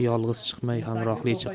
yolg'iz chiqmay hamrohli chiq